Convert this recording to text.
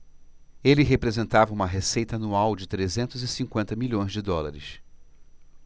ele representava uma receita anual de trezentos e cinquenta milhões de dólares